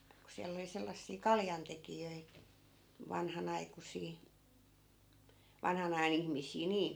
kun siellä oli sellaisia kaljantekijöitä vanhanaikuisia vanhan ajan ihmisiä niin